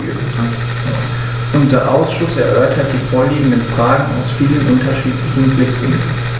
Unser Ausschuss erörtert die vorliegenden Fragen aus vielen unterschiedlichen Blickwinkeln.